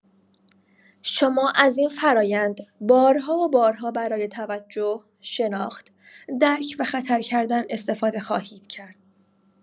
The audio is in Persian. شما از این فرایند بارها و بارها برای توجه، شناخت، درک و خطرکردن استفاده خواهید کرد.